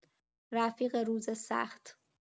رفیق روز سخت